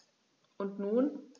Und nun?